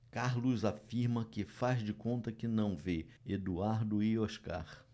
carlos afirma que faz de conta que não vê eduardo e oscar